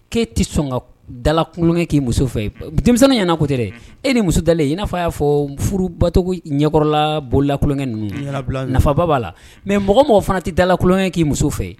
E e tɛ sɔn ka dala kolonkɛ k'i muso fɛ denmisɛnnin ɲɛnaana ko tɛ dɛ e ni muso dalen in n'a fɔ y'a fɔ furubat ɲɛkɔrɔla bonlakolonkɛ ninnu nafa baba b'a la mɛ mɔgɔ mɔgɔ fana tɛ dala kolonkɛ k'i muso fɛ